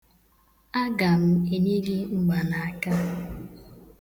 Aga m enye gị mgbanaaka.